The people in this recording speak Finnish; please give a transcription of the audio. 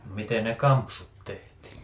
miten ne kampsut tehtiin